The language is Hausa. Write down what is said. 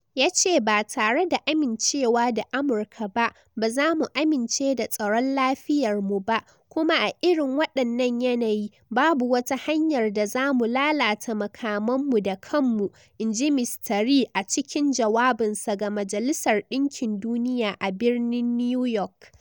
Ya ce, "Ba tare da amincewa da Amurka ba, ba za mu amince da tsaron lafiyarmu ba, kuma a irin wadannan yanayi, babu wata hanyar da zamu lalata makaman mu da kanmu," in ji Mr Ri a cikin jawabinsa ga Majalisar Dinkin Duniya a birnin New York.